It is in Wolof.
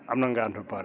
am na ***